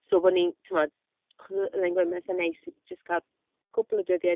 So bod ni'n, timod, achos oedd oedd e'n gweud mae'n eitha neis i jyst cael cwpl o dyddiau.